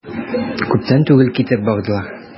Күптән түгел китеп бардылар.